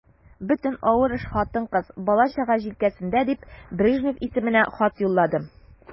Бөтен авыр эш хатын-кыз, бала-чага җилкәсендә дип, Брежнев исеменә хат юлладым.